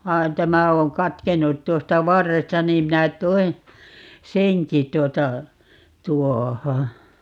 vaan tämä on katkennut tuosta varresta niin minä toin senkin tuota tuohon